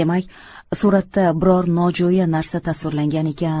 demak suratda biror nojo'ya narsa tasvirlangan ekan